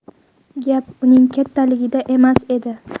gap uning kattaligida emas edi